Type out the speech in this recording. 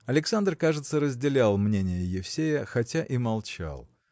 Александр, кажется, разделял мнение Евсея, хотя и молчал.